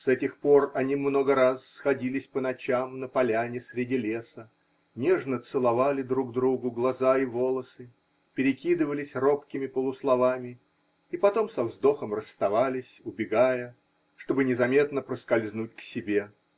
С этих пор они много раз сходились по ночам на поляне среди леса, нежно целовали друг другу глаза и волосы, перекидывались робкими полусловами и потом со вздохом расставались, убегая, чтобы незаметно проскользнуть к себе.